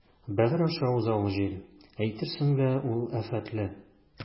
Бәгырь аша уза ул җил, әйтерсең лә ул афәтле.